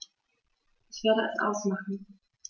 Ich werde es ausmachen